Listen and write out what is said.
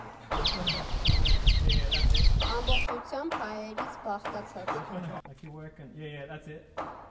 Ամբողջությամբ հայերից բաղկացած։